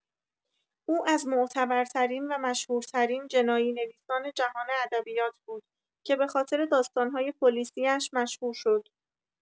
او از معتبرترین و مشهورترین جنایی نویسان جهان ادبیات بود که به‌خاطر داستان‌های پلیسی اش مشهور شد.